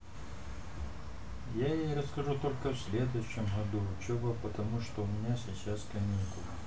я ей расскажу только в следующем году учеба потому что у меня сейчас каникулы